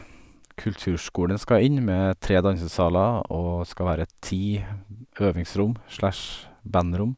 Kulturskolen skal inn med tre dansesaler, og skal være ti øvingsrom slash bandrom.